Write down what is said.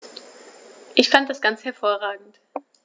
Ich fand das ganz hervorragend.